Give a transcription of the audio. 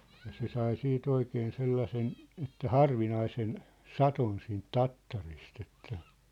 ja se sai sitten oikein sellaisen että harvinaisen sadon siitä tattarista että